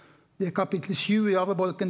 det er kapittel sju i arvebolken.